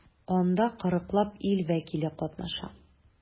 Анда 40 лап ил вәкиле катнаша.